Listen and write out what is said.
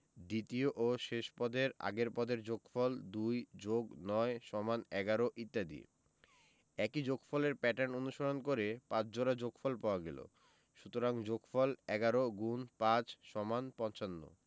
দ্বিতীয় ও শেষ পদের আগের পদের যোগফল ২+৯=১১ ইত্যাদি একই যোগফলের প্যাটার্ন অনুসরণ করে ৫ জোড়া সংখ্যা পাওয়া গেল সুতরাং যোগফল ১১*৫=৫৫